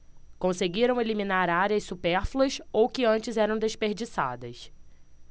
conseguiram eliminar áreas supérfluas ou que antes eram desperdiçadas